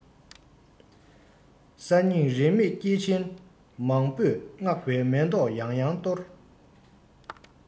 གསར རྙིང རིས མེད སྐྱེས ཆེན མང པོས བསྔགས པའི མེ ཏོག ཡང ཡང གཏོར